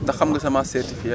ndax xam nga semence certifiée